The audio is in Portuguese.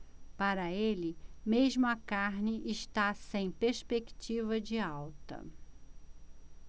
para ele mesmo a carne está sem perspectiva de alta